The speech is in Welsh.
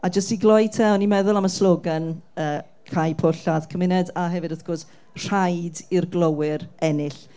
a jyst i gloi te o'n i'n meddwl am y slogan yy cau pwll lladd cymuned, a hefyd wrth gwrs rhaid i'r glowyr ennill.